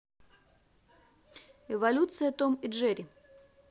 эволюция том и джерри